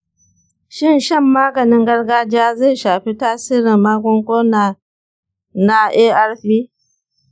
shin shan maganin gargajiya zai shafi tasirin magungunana na arv?